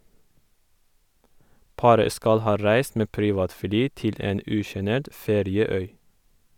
Paret skal ha reist med privatfly til en usjenert ferieøy.